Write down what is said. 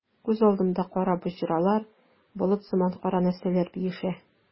Күз алдымда кара боҗралар, болыт сыман кара нәрсәләр биешә.